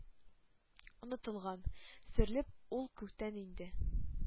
Онытылган. Сөрелеп ул күктән иңде